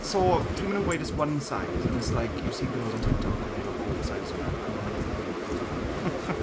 so, pryd maen nhw'n gweud it's one size and it's like you see girls on TikTok and they look oversized on them, and then there's me a man .